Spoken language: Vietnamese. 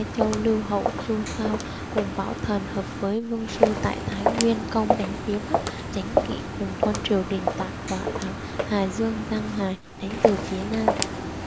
châu lưu hậu chu thao cùng bảo thần hợp với vương sư tại thái nguyên công đánh phía bắc chánh kỉ cùng quân triều đình tại hoạt bạc hà dương giang hoài đánh từ phía nam